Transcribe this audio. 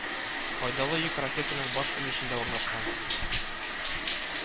Файдалы йөк ракетаның баш өлешендә урнашкан